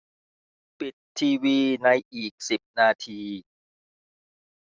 ปิดทีวีในอีกสิบนาที